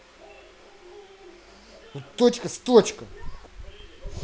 у точка с точка